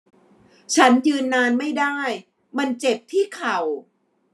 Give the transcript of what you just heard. ฉันยืนนานไม่ได้มันเจ็บที่เข่า